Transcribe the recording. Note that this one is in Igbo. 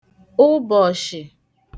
ụbọ̀shị̀